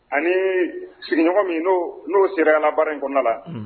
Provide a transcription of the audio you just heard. Ani sigiɲɔgɔn min n'o n'o sereyalala baara in kɔnɔna la n'